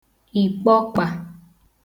ị̀kpọkpà